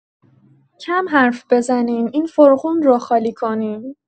کم‌حرف بزنین، این فرغون رو خالی کنین.